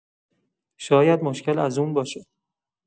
شاید مشکل از اون باشه.